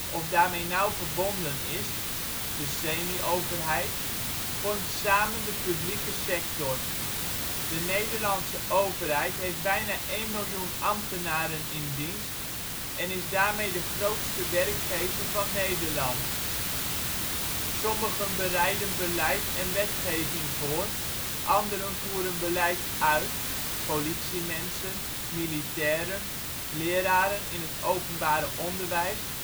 of daarmee nauw verbonden is (de semioverheid), vormen samen de publieke sector. De Nederlandse overheid heeft bijna 1 miljoen ambtenaren in dienst en is daarmee de grootste werkgever van Nederland. Sommigen bereiden beleid en wetgeving voor, anderen voeren beleid uit (politiemensen, militairen, leraren in het openbare onderwijs